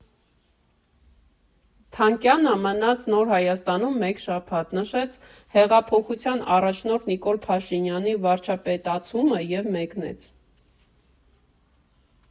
Թանգյանը մնաց Նոր Հայաստանում մեկ շաբաթ, նշեց հեղափոխության առաջնորդ Նիկոլ Փաշինյանի վարչապետացումը և մեկնեց։